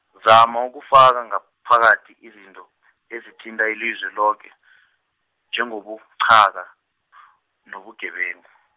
zama ukufaka ngaphakathi izinto, ezithinta ilizwe loke , njengobuqhaka , nobugebengu.